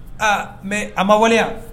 Aa mɛ a ma waleya